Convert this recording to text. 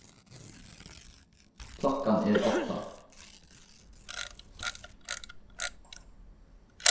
klokkan er átta